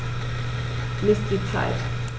Miss die Zeit.